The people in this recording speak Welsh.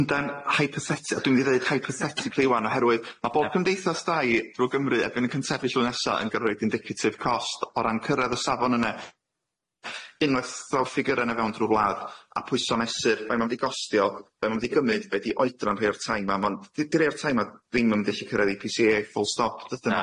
Yndan hypertheti- a dwi myn' i ddeud hypertheticly ŵan oherwydd ma' bob cymdeithas dai drw' Gymru erbyn y cyntaf y llwy' nesa yn gyrruid indicative cost o ran cyrradd y safon yne, unwaith ddaw ffigyre ne' fewn drw' wladd a pwyso mesur mae'n myn' i gostio, be' ma'n mydi gymyd, be' di oedran rhei'r tai ma', ma'n di di rhei'r tai ma' ddim yn mynd i allu cyrreddi Pee See Ay full stop dydyn nhw ddim. Na.